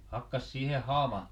hakkasi siihen haavan